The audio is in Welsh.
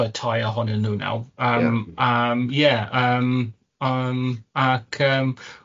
Yy tair ohonyn nhw naw' yym yym ie yym yym ac yym